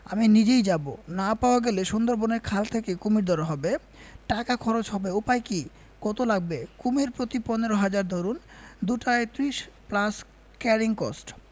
আমি নিজেই যাব না পাওয়া গেলে সুন্দরবনের খাল থেকে কুমীর ধরা হবে টাকা খরচ হবে উপায় কি কত লাগবে কুমীর প্রতি পনেরো হাজার ধরুন দুটায় ত্রিশ প্লাস ক্যারিং কস্ট